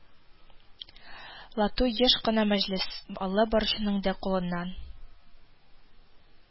Лату еш кына мәҗлес алып баручының да кулыннан